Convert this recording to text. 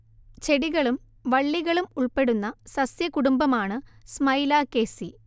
ചെടികളും വള്ളികളും ഉൾപ്പെടുന്ന സസ്യകുടുംബമാണ് സ്മൈലാക്കേസീ